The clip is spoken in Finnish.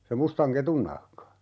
se mustan ketun nahka